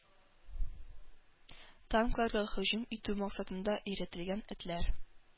Танкларга һөҗүм итү максатында өйрәтелгән этләр